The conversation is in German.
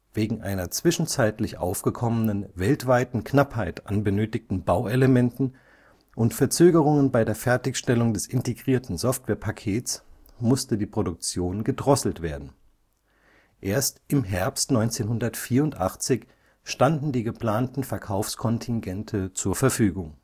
Wegen einer zwischenzeitlich aufgekommenen weltweiten Knappheit an benötigten Bauelementen und Verzögerungen bei der Fertigstellung des integrierten Softwarepakets musste die Produktion gedrosselt werden. Erst im Herbst 1984 standen die geplanten Verkaufskontingente zur Verfügung